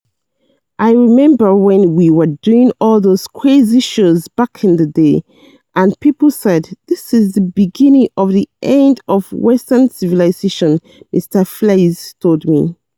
"I remember when we were doing all those crazy shows back in the day and people said, "This is the beginning of the end of Western civilization,"" Mr. Fleiss told me.